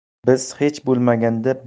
biz hech bo'lmaganda